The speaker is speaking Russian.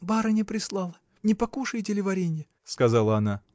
— Барыня прислали: не покушаете ли варенья? — сказала она.